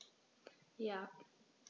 Ja.